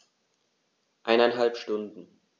Eineinhalb Stunden